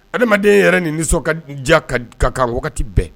Hadamadden yɛrɛ ni nisɔn ka nisɔndiya ka kan wagati bɛɛ